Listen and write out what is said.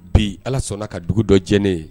Bi Ala sɔnna ka dugu dɔ jɛ ne ye